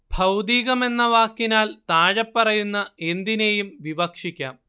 ഭൗതികം എന്ന വാക്കിനാൽ താഴെപ്പറയുന്ന എന്തിനേയും വിവക്ഷിക്കാം